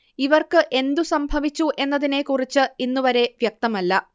ഇവർക്ക് എന്തു സംഭവിച്ചു എന്നതിനെക്കുറിച്ച് ഇന്നുവരെ വ്യക്തമല്ല